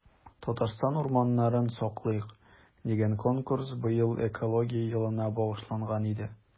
“татарстан урманнарын саклыйк!” дигән конкурс быел экология елына багышланган иде.